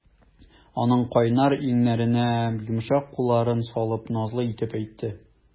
Аның кайнар иңнәренә йомшак кулларын салып, назлы итеп әйтте.